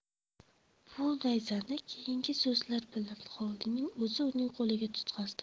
bu nayzani keyingi so'zlari bilan xolidiyning o'zi uning qo'liga tutqazdi